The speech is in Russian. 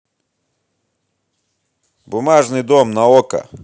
бумажный дом на окко